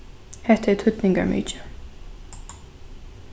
hetta er týdningarmikið